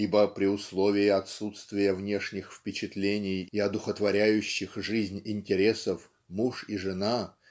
"Ибо при условии отсутствия внешних впечатлений и одухотворяющих жизнь интересов муж и жена